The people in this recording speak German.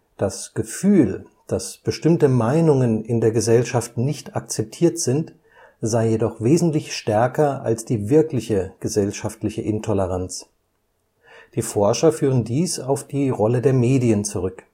Das Gefühl, dass bestimmte Meinungen in der Gesellschaft nicht akzeptiert sind, sei jedoch wesentlich stärker als die wirkliche gesellschaftliche Intoleranz. Die Forscher führen dies auf die Rolle der Medien zurück